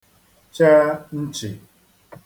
che nchị̀